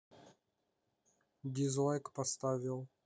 дизлайк поставил